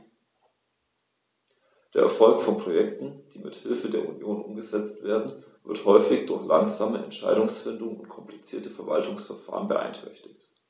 Der Erfolg von Projekten, die mit Hilfe der Union umgesetzt werden, wird häufig durch langsame Entscheidungsfindung und komplizierte Verwaltungsverfahren beeinträchtigt.